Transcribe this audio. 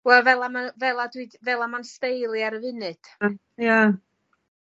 Wel fel 'a ma' fel 'a dwi fel 'a ma'n steil i ar y funud. Hmm ie.